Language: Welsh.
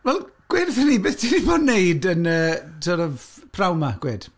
Wel, gweud wrthom ni beth ti di bod yn y tibod y ff- pnawn 'ma, gweud.